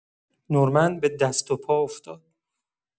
نورمن به دست و پا افتاد.